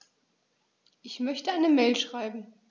Ich möchte eine Mail schreiben.